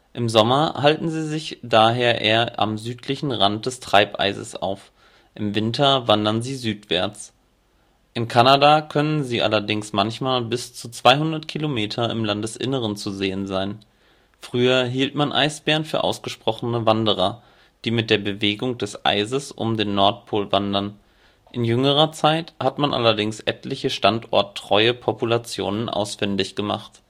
Im Sommer halten sie sich daher eher am südlichen Rand des Treibeises auf, im Winter wandern sie südwärts. In Kanada können sie allerdings manchmal bis zu 200 Kilometer im Landesinneren zu sehen sein. Früher hielt man Eisbären für ausgesprochene Wanderer, die mit der Bewegung des Eises um den Nordpol wandern, in jüngerer Zeit hat man allerdings etliche standorttreue Populationen ausfindig gemacht